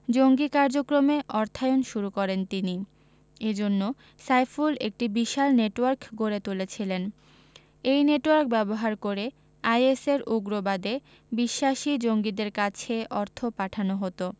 জঙ্গি কার্যক্রমে অর্থায়ন শুরু করেন তিনি এ জন্য সাইফুল একটি বিশাল নেটওয়ার্ক গড়ে তুলেছিলেন এই নেটওয়ার্ক ব্যবহার করে আইএসের উগ্রবাদে বিশ্বাসী জঙ্গিদের কাছে অর্থ পাঠানো হতো